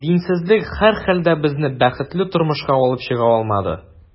Динсезлек, һәрхәлдә, безне бәхетле тормышка алып чыга алмады.